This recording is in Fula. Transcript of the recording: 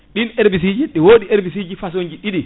ɗin herbicide ji ne wodi herbicide ji façon ji ɗiɗi